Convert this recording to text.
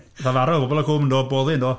Wnaeth o farw ar Bobol y Cwm, do. Boddi, yn do...